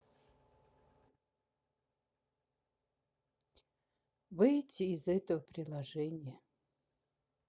выйти из этого приложения